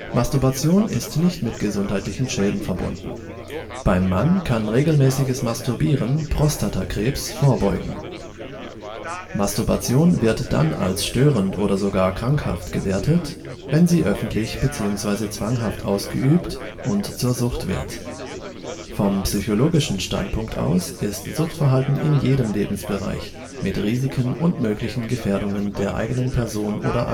Masturbation ist nicht mit gesundheitlichen Schäden verbunden. Beim Mann kann regelmäßiges Masturbieren Prostatakrebs vorbeugen. Masturbation wird dann als störend oder sogar krankhaft gewertet, wenn sie öffentlich bzw. zwanghaft ausgeübt und zur Sucht wird. Vom psychologischen Standpunkt aus ist Suchtverhalten in jedem Lebensbereich mit Risiken und möglichen Gefährdungen der eigenen Person oder